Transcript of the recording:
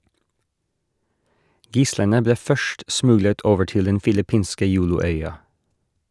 Gislene ble først smuglet over til den filippinske Jolo-øya.